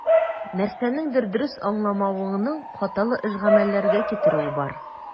Нәрсәнедер дөрес аңламавыңның хаталы эш-гамәлләргә китерүе бар.